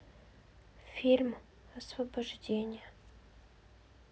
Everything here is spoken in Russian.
фильм освобождение